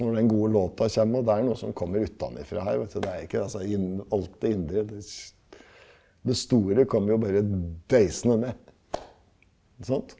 når den gode låta kommer og det er noe som kommer utenifra her vet du, det er ikke altså alltid indre, det det store kommer jo bare deisende ned ikke sant.